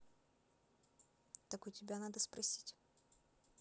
так у тебя надо спросить